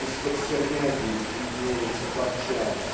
из-под сермяги виднеется парча.